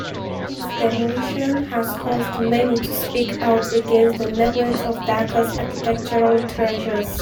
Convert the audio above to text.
Its demolition has caused many to speak out against the neglect of Dhaka's architectural treasures.